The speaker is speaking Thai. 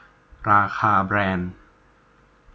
ราคาแบรนด์